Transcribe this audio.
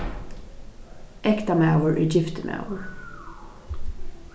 ektamaður er giftur maður